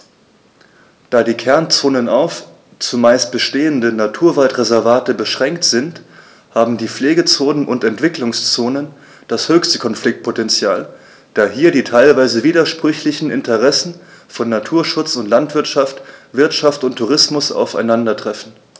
Da die Kernzonen auf – zumeist bestehende – Naturwaldreservate beschränkt sind, haben die Pflegezonen und Entwicklungszonen das höchste Konfliktpotential, da hier die teilweise widersprüchlichen Interessen von Naturschutz und Landwirtschaft, Wirtschaft und Tourismus aufeinandertreffen.